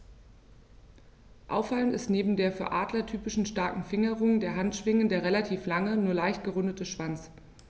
Auffallend ist neben der für Adler typischen starken Fingerung der Handschwingen der relativ lange, nur leicht gerundete Schwanz.